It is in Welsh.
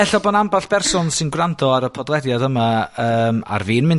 Ella bo' 'na ambell berson sy'n grando ar y podlediad yma yym ar fin mynd